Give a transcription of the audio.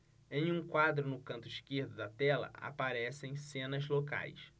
em um quadro no canto esquerdo da tela aparecem cenas locais